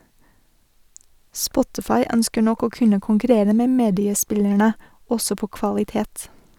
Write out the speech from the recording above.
Spotify ønsker nok å kunne konkurrere med mediespillerne - også på kvalitet.